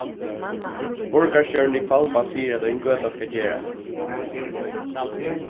borgarstjórin í hvalba sigur at ein gøta skal gerast